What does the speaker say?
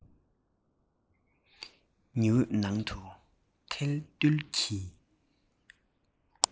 ཉི འོད ནང དུ ཐལ རྡུལ གྱི